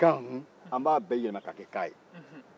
mɛ kam an b'a bɛɛ yɛlɛmɛ ka kɛ ka ye